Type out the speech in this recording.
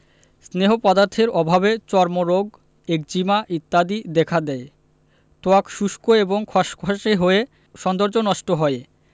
স্নেহ পদার্থের অভাবে চর্মরোগ একজিমা ইত্যাদি দেখা দেয় ত্বক শুষ্ক এবং খসখসে হয়ে সৌন্দর্য নষ্ট হয়